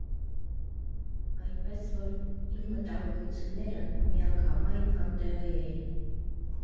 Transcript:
Այնպես որ՝ իմ մտահոգությունները միանգամայն անտեղի էին։